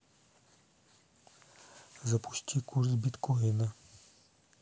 запусти курс биткоина